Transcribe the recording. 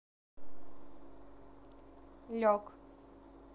лег